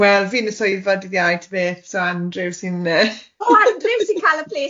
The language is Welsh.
Wel fi'n y swyddfa dydd Iau ta beth so Andrew sy'n yy... O Andrew sy'n cael y ple-